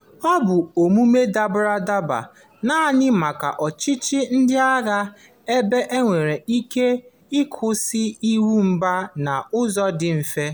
Ọ bụ omume dabara naanị maka ọchịchị ndị agha, ebe e nwere ike ịkwụsị iwu mba n'ụzọ dị mfe..